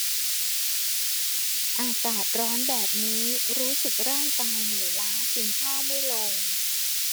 อากาศร้อนแบบนี้รู้สึกร่างกายเหนื่อยล้ากินข้าวไม่ลง